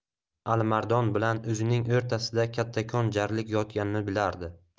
alimardon bilan o'zining o'rtasida kattakon jarlik yotganini bilardi